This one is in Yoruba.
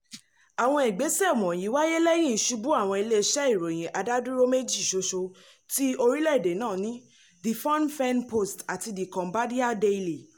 Àwọn ìgbésẹ̀ wọ̀nyìí wáyé lẹ́yìn ìṣubú àwọn ilé-iṣẹ́ ìròyìn adádúró méjì ṣoṣo tí orílẹ̀-èdè náà ní — The Phnom Pehn Post àti The Cambodia Daily.